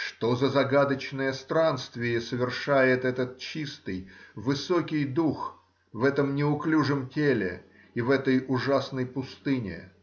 Что за загадочное странствие совершает этот чистый, высокий дух в этом неуклюжем теле и в этой ужасной пустыне?